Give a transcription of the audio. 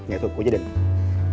nghệ thuật của gia đình